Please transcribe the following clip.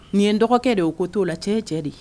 Nin ye dɔgɔkɛ de ye o ko t' o la cɛ cɛ di